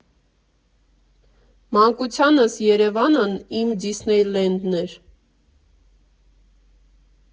Մանկությանս Երևանն իմ «Դիսնեյ Լենդն» էր։